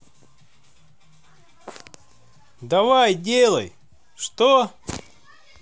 давай делай что